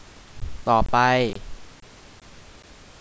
ต่อไป